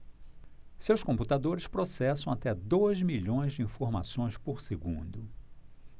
seus computadores processam até dois milhões de informações por segundo